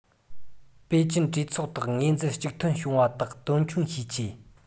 པེ ཅིན གྲོས ཚོགས ཐོག ངོས འཛིན གཅིག མཐུན བྱུང བ དག དོན འཁྱོལ བྱེད ཆེད